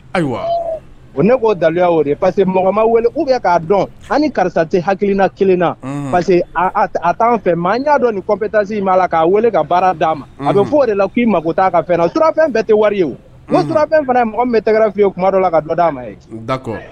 Ayiwa ne'o daluya o paseke mɔgɔ ma wele k'a dɔn ani karisa tɛ hakiina kelen na a' fɛ maa y'a dɔn ninp taasi'a k'a weele ka baara d'a ma a bɛ fɔ o de la k'i mako t taa ka fɛn sufɛn bɛɛ tɛ wari o suurafɛn fana ye mɔgɔ bɛ tɛgɛɛrɛ f' ye kuma dɔ la ka dɔn d'a ma ye